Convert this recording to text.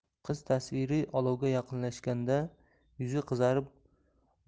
qiz tasviri olovga yaqinlashganda yuzi qizarib